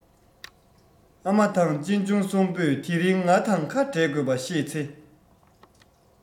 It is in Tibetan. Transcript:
ཨ མ དང གཅེན གཅུང གསུམ པོས དེ རིང ང དང ཁ འབྲལ དགོས པ ཤེས ཚེ